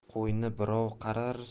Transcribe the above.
qo'yini birov qarar